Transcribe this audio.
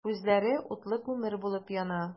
Күзләре утлы күмер булып яна.